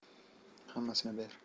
hammasini ber